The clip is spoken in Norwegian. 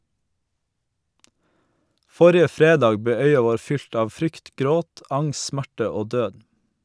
Forrige fredag ble øya vår fylt av frykt, gråt, angst, smerte og død.